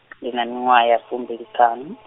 ndi na miṅwaha ya fumbiliṱhanu.